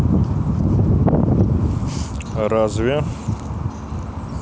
разве